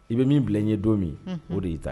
I bɛ min bila ye don min, unhun, o de y'i ta